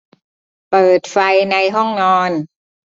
เปิดไฟในห้องนอน